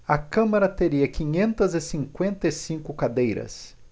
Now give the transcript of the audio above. a câmara teria quinhentas e cinquenta e cinco cadeiras